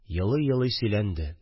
Елый-елый сөйләнде